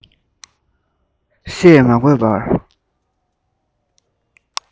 བཤད མ དགོས པར